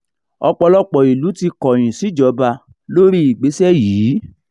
"Ọ̀pọ̀lọpọ̀ ìlú ti kọ̀yìn síjọba lórí ìgbésẹ̀ yìí"